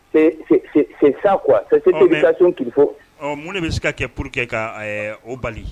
C'est c'est ça quoi qu'il faut ɔn mun de bɛ se ka kɛ pour que k'o bali?